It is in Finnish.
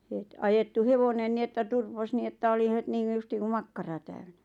heti ajettui hevonen niin että turposi niin että oli heti niin kuin justiin kuin makkara täynnä